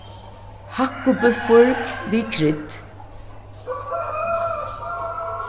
hakkubúffur við krydd